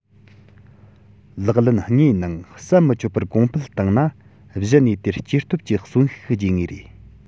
ལག ལེན དངོས ནང ཟམ མི ཆད པར གོང འཕེལ བཏང ན གཞི ནས དེར སྐྱེ སྟོབས ཀྱི གསོན ཤུགས རྒྱས ངེས རེད